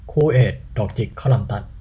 คู่เอดดอกจิกข้าวหลามตัด